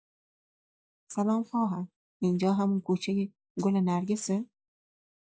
سلام خواهر، اینجا همون کوچۀ گل نرگسه؟